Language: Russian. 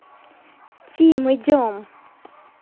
team идем